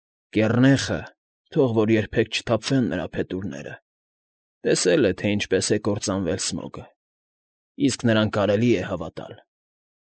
Կեռնեխը, թող որ երբեք չթափվեն նրա փետուրները, տեսել է, թե ինչպես է կործանվել Սմոգը, իսկ նրան կարելի է հավատալ։